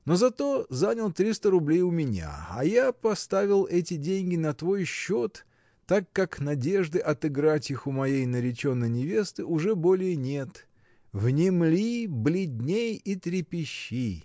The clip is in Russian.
Но зато занял триста рублей у меня, а я поставил эти деньги на твой счет, так как надежды отыграть их у моей нареченной невесты уже более нет. Внемли, бледней и трепещи!